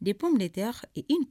De pomme de terre et une